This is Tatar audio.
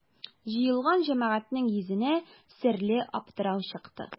Җыелган җәмәгатьнең йөзенә серле аптырау чыкты.